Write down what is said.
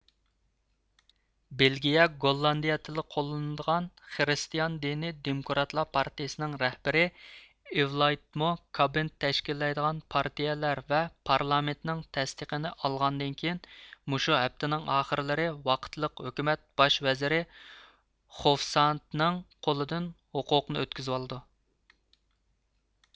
بېلگىيە گوللاندىيە تىلى قوللىنىدىغان خىرىستىئان دىنى دېموكراتلار پارتىيىسىنىڭ رەھبىرى ئېۋلايتمۇ كابىنېت تەشكىللەيدىغان پارتىيىلەر ۋە پارلامېنتىنىڭ تەستىقىنى ئالغاندىن كېيىن مۇشۇ ھەپتىنىڭ ئاخىرلىرى ۋاقىتلىق ھۆكۈمەت باش ۋەزىرى خوفستادتنىڭ قولىدىن ھوقۇقنى ئۆتكۈزۈۋالىدۇ